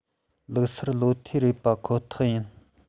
ལུགས གསར ལོ ཐོ རེད པ ཁོ ཐག ཡིན